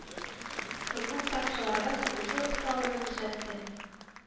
Хокук сакчыларга сугышу осталыгы күрсәтте